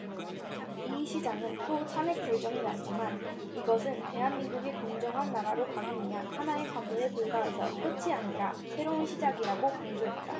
이 시장은 또 탄핵 결정이 났지만 이것은 대한민국이 공정한 나라로 가기 위한 하나의 관문에 불과해서 끝이 아니라 새로운 시작이라고 강조했다